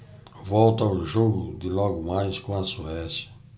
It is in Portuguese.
volto ao jogo de logo mais com a suécia